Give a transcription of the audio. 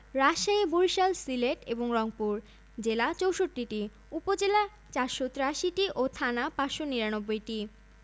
শীতকালে যথাক্রমে ২৯ degree Celsius ও ১১ডিগ্রি সেলসিয়াস এবং গ্রীষ্মকালে যথাক্রমে ৩৪ডিগ্রি সেলসিয়াস ও ২১ডিগ্রি সেলসিয়াস